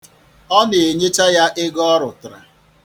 Ọ na-enyecha ya ego ọ rụtara.